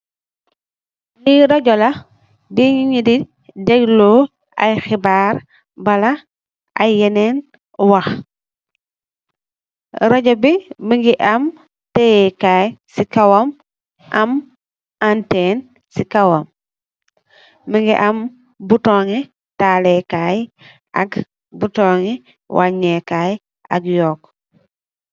Li rujjoh la denj de deglu aye xibarr ak aye yenen wah rujjoh bi munge am teyeh kai si kawam am anten si kaw munge am buttong ngee taleh kai ak wanyeh kai ak yoku